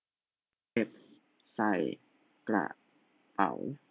เก็บใส่กระเป๋า